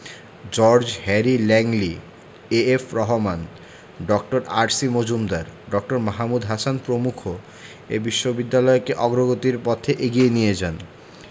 George Harry Langley A F Rahman ড. R C Majumdar ড. মাহমুদ হাসান প্রমুখ এ বিশ্ববিদ্যালয়কে অগ্রগতির পথে এগিয়ে নিয়ে যান